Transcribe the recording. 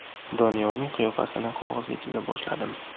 doniyorning qiyofasini qog'ozga chiza boshladim